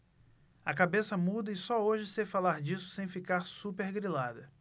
a cabeça muda e só hoje sei falar disso sem ficar supergrilada